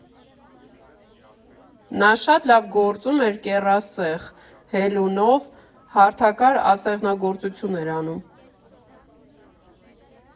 Նա շատ լավ գործում էր կեռասեղ՝ հելունով, հարթակար ասեղնագործություն էր անում։